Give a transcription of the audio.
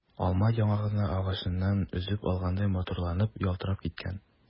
Алма яңа гына агачыннан өзеп алгандай матурланып, ялтырап киткән.